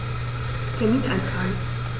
Termin eintragen